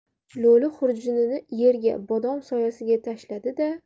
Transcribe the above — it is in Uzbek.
lo'li xurjunini yerga bodom soyasiga tashladi da